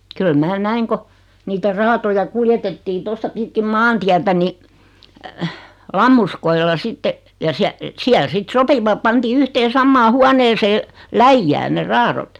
kyllä minä näin kun niitä raatoja kuljetettiin tuosta pitkin maantietä niin lammuskoilla sitten ja - siellä sitten sopivat pantiin yhteen samaan huoneeseen läjään ne raadot